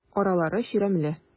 Аралары чирәмле.